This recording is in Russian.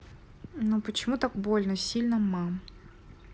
ну почему так больно сильно мам